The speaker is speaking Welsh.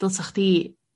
dylsach chdi